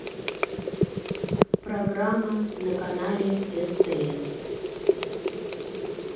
программа на канале стс